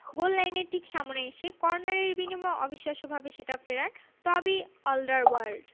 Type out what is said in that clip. গোললাইনের ঠিক সামনে থেকে কর্নারের বিনিময়ে অবিশ্বাস্যভাবে সেটা ফেরান টবি অলডারওয়ার্ল্ড